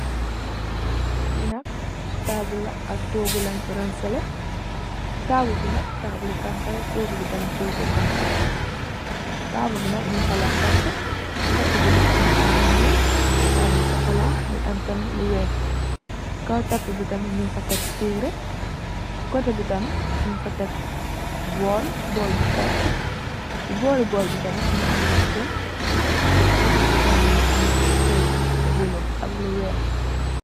Finak table la ak tugu len fa ransireh .Table bi nak table li kankala ak tugu tamit janka la lal taper tapet bi nak mu gi am lu nul, am lu sokolaa am tamit lu weex.si kow tapeh bi tamit nyu fa tek tare si koteh bi tamit nyu fa tek bowl bu honha ameh butail mugi ameh keit bu bolo ak lu weyh.